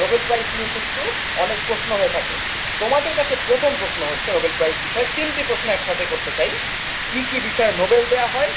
Nobel prize দিয়ে কিন্তু অনেক প্রশ্ন হয়ে থাকে তোমাদের কাছে প্রথম প্রশ্ন হচ্ছে নোবেল প্রাইস বিষয় তিনটি প্রশ্ন একসাথে করতে চাই কি কি বিষয়ে নোবেল দেয়া হয়